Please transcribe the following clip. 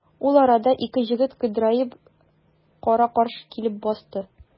Ул арада ике җегет көдрәеп кара-каршы килеп басты.